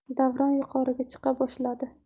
davron yuqoriga chiqa boshladi